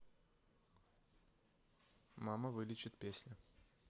мама вылечит песня